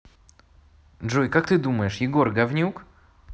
джой как думаешь егор говнюк